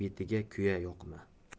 betiga kuya yoqma